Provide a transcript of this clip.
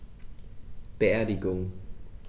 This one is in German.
Beerdigung